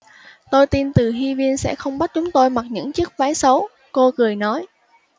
tôi tin từ hy viên sẽ không bắt chúng tôi mặc những chiếc váy xấu cô cười nói